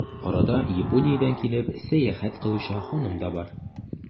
Арада, Япониядән килеп, сәяхәт кылучы ханым да бар.